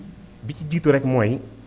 bi ci jiitu rek mooy